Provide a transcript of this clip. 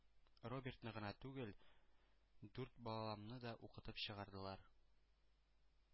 Робертны гына түгел, дүрт баламны да укытып чыгардылар.